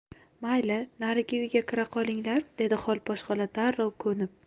mayli narigi uyga kira qolinglar dedi xolposh xola darrov ko'nib